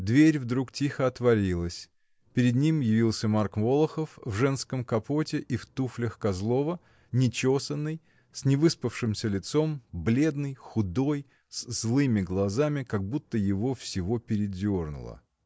Дверь вдруг тихо отворилась, перед ним явился Марк Волохов, в женском капоте и в туфлях Козлова, нечесаный, с невыспавшимся лицом, бледный, худой, с злыми глазами, как будто его всего передернуло.